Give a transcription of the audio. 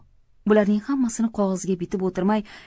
bularning ham masini qog'ozga bitib o'tirmay